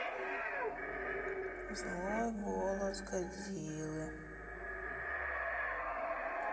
злой голос годзиллы